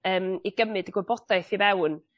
ymm i gymryd y gwybodaeth i fewn